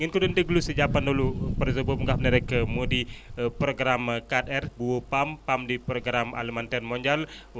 ngeen ko doon déglu si jàppandalu projet boobu nga xam ne rek moo di programme 4R bu PAM PAM di programme alimentaire mondial